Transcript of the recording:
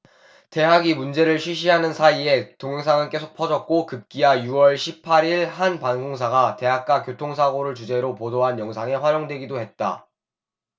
대학이 문제를 쉬쉬하는 사이에 동영상은 계속 퍼졌고 급기야 유 월 십 팔 일 한 방송사가 대학가 교통사고를 주제로 보도한 영상에 활용되기도 했다